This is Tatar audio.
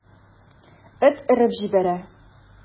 Эт өреп җибәрә.